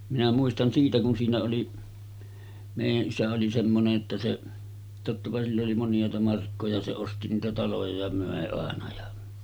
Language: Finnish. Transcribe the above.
minä muistan siitä kun siinä oli meidän isä oli semmoinen että se tottapa sillä oli moniaita markkoja se osti niitä taloja ja myi aina ja